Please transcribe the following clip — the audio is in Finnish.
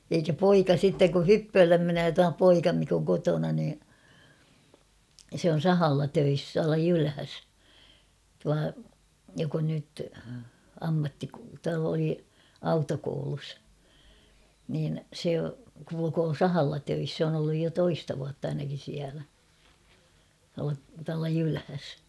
eikä poika sitten kun hyppöölle menee tuo poika mikä on kotona niin se on sahalla töissä tuolla Jylhässä tuo joka on nyt - oli autokoulussa niin se kulkee sahalla töissä se on ollut jo toista vuotta ainakin siellä tuolla tuolla Jylhässä